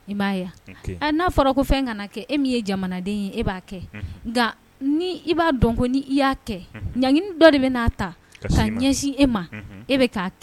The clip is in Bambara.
N'a fɔra ko e min yeden e'a kɛ nka ni b'a dɔn ko ni i y'a kɛ ɲɲini dɔ de bɛ n'a ta ka ɲsin e ma e bɛ